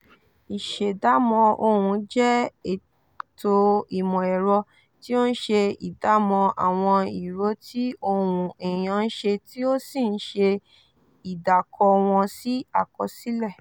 Ìṣèdámọ̀ ohùn jẹ́ ètò ìmọ̀-ẹ̀rọ tí ó ń ṣe ìdámọ̀ àwọn ìró tí ohùn èèyàn ń ṣe tí ó sì ń ṣe ìdàkọ wọn sí àkọsílẹ̀.